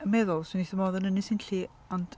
yn meddwl 'swn i wrth fy modd yn Ynys Enlli ond...